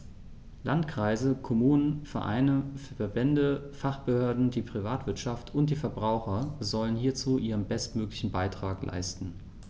Landkreise, Kommunen, Vereine, Verbände, Fachbehörden, die Privatwirtschaft und die Verbraucher sollen hierzu ihren bestmöglichen Beitrag leisten.